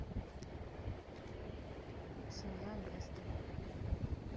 семья место